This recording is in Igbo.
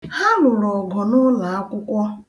Ha lụrụ ọgụ n'ụlọakwụkwọ.